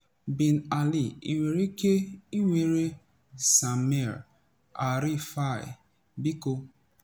Bin Ali ị nwere ike ịwere samir alrifai biko?